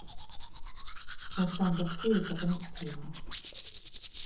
александр браткевич отомстила